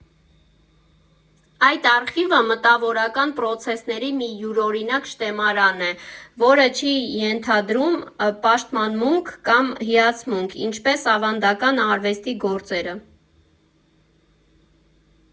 Այդ արխիվը մտավորական պրոցեսների մի յուրօրինակ շտեմարան է, որը չի ենթադրում պաշտամունք կամ հիացմունք՝ ինչպես ավանդական արվեստի գործերը։